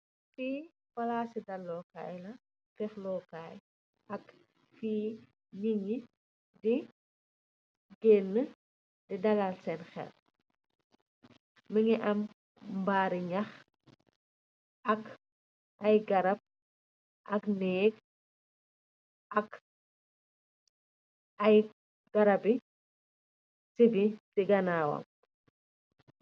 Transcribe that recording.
Fii, palaasi dal-loo KAAY la, feekh loo KAAY.Ak fii nit ñie di gënë di Dalal seen xel. Mungi am mbaari ñax, ak ay garab ak neek, ak ay garabi sibi, si ganaawam.